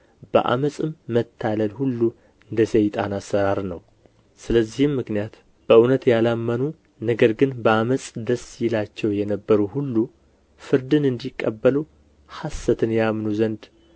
በዓመፅም መታለል ሁሉ እንደ ሰይጣን አሠራር ነው ስለዚህም ምክንያት በእውነት ያላመኑ ነገር ግን በዓመፅ ደስ ይላቸው የነበሩ ሁሉ ፍርድን እንዲቀበሉ ሐሰትን ያምኑ ዘንድ